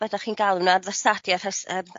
be' 'dach chi'n galw 'na hys- yy b-